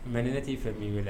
Mɛ ne t'i fɛ b'i wele